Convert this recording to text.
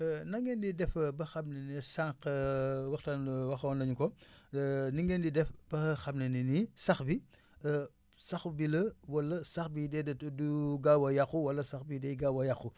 nan ngeen di def ba xam ne sànq waxtaan waxoon nañu ko ni ngeen di def ba xam ne ni sax bi saxu bi la wala sax bii déedéet du gaaw a yàqu wala sax bii day gaaw a yàqu